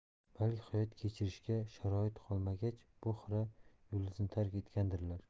balki hayot kechirishga sharoit qolmagach bu xira yulduzni tark etgandirlar